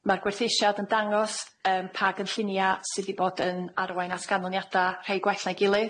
Ma'r gwerthusiad yn dangos yym pa gynllunia' sydd 'di bod yn arwain at ganlyniada' rhei gwell na 'i gilydd,